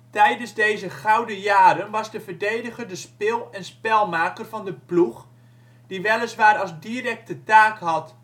Tijdens deze gouden jaren was de verdediger de spil en spelmaker van de ploeg, die weliswaar als directe taak had